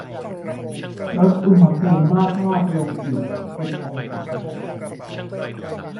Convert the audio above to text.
ลดอุณหภูมิหม้อทอดลงอีกสิบองศา